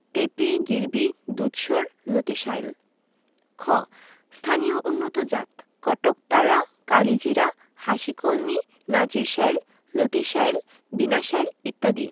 টেপি গিরবি দুধসর লতিশাইল খ স্থানীয় উন্নতজাতঃ কটকতারা কালিজিরা হাসিকলমি নাজির শাইল লতিশাইল বিনাশাইল ইত্যাদি